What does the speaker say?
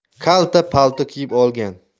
kalta palto kiyib olgan